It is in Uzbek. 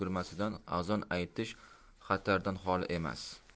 ulgurmasdan azon aytish xatardan xoli emas